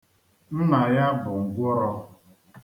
Nna ya bụ ngwụrọ